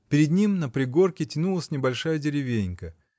Перед ним на пригорке тянулась небольшая деревенька